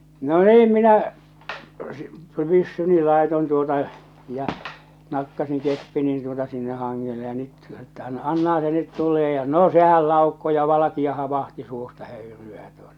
no niin minä - pyssyni laitoin tuota ja nakkasin keppini tuota sinne hangelle ja nyt että - annahan se nyt tulee ja no sehän laukkoi ja valkea - vaahto suusta höyryää tuota ja